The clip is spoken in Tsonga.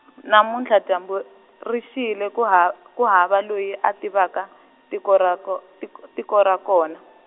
namuntlha dyambu, ri xile ku ha, ku hava loyi a tivaka, tiko ra ko, tik-, tiko ra kona.